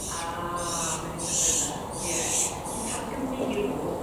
Ah mae'n neu' synnwyr nawr. Ie. 'Lly Parc y Meirw.